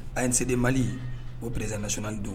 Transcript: A N C-D Mali , o Président national don.